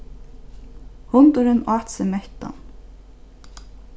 hundurin át seg mettan